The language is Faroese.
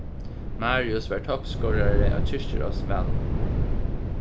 marius var toppskorari á kirkjuráðsvalinum